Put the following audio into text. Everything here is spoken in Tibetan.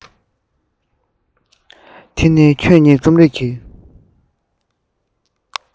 དེ ནི ཁྱོད ཉིད རྩོམ རིག གི